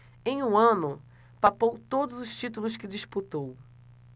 em um ano papou todos os títulos que disputou